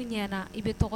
I